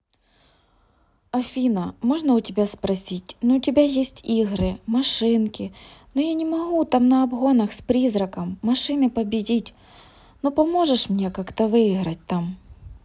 афина можно у тебя спросить ну у тебя есть игры машинки но я не могу там на обгонах с призраком машины победить ну поможешь мне как то выиграть там